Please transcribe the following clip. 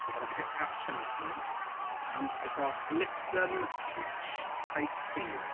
I've got a KitKat chunky and I've got Lipton Peach iced tea.